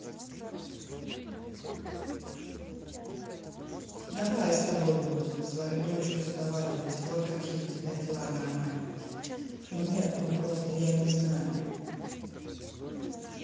давай с тобой будем свою дочь разговаривать вот какие у тебя дела нормально нет ну просто я не знаю